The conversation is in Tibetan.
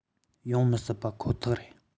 ཡོང མི སྲིད པ ཁོ ཐག རེད